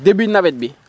début nawet bi